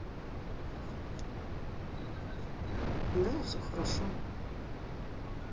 да все хорошо